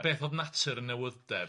A beth oedd natur y newydddeb?